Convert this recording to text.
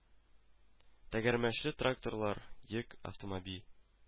Тәгәрмәчле тракторлар, йөк автомоби